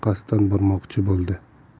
orqasidan bormoqchi bo'ldi